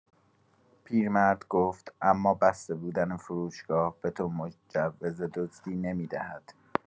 پیرمرد گفت: «اما بسته‌بودن فروشگاه به تو مجوز دزدی نمی‌دهد.»